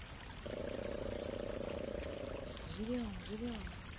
живем живем